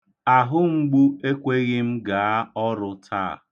Ahụmgbu ekweghị m gaa ọrụ taa.